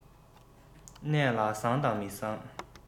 གནས ལ བཟང དང མི བཟང